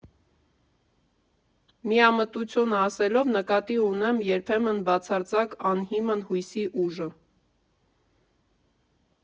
Միամտություն ասելով նկատի ունեմ երբեմն բացարձակ անհիմն հույսի ուժը։